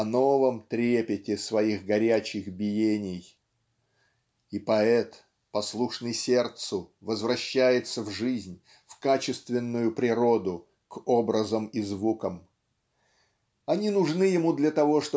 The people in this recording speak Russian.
о новом трепете своих горячих биений. И поэт послушный сердцу возвращается в жизнь в качественную природу к образам и звукам. Они нужны ему для того